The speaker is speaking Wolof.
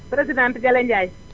présidente Jalle Ndiaye